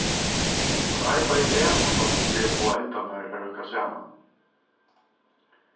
hann arbeiðir dag og nátt fyri at fáa endarnar at røkka saman